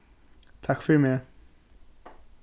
takk fyri meg